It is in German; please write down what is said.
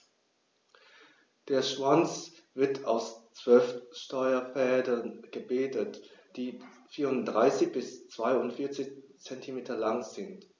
Der Schwanz wird aus 12 Steuerfedern gebildet, die 34 bis 42 cm lang sind.